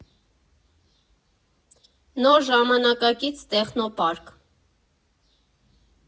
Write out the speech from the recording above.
Նոր ժամանակակից տեխնոպարկ։